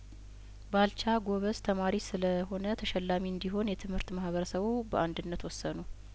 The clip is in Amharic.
ባልቻ ጐበዝ ተማሪ ስለሆነ ተሸላሚ እንዲሆን የትምህርት ማህበረሰቡ በአንድነት ወሰኑ